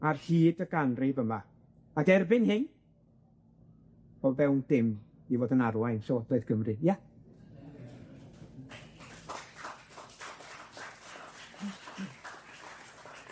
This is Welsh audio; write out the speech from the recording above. ar hyd y ganrif yma, ag erbyn hyn, o fewn dim i fod yn arwain Llywodraeth Cymru. Ia?